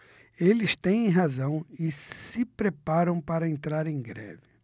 eles têm razão e se preparam para entrar em greve